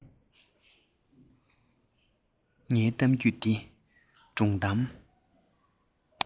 ངའི གཏམ རྒྱུད འདི སྒྲུང གཏམ